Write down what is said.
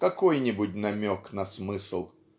какой-нибудь намек на смысл